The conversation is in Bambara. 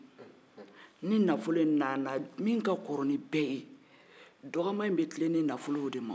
ni nanfolo nana min ka kɔrɔ ni bɛɛ ye a bɛ tilen ni nanfolo ye o de ma o